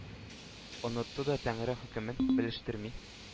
Онытты да тәңре хөкмен, белештерми,